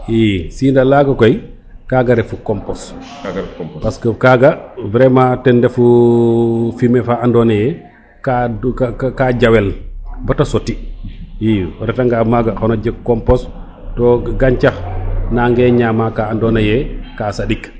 i sinda laga koy kaga refu compose parce que kaga vraiment ten refu fumier fa adno naye ka duka ka jawel bata soti i o reta nga maga xano jeg compose to gancax nange ñama ka ando naye ka saɗik